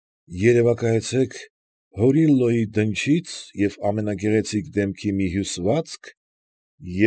Երևակայեցեք հորիլլոյի դնչից և ամենագեղեցիկ դեմքի մի հյուսվածք և։